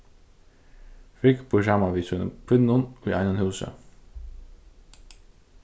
frigg býr saman við sínum kvinnum í einum húsi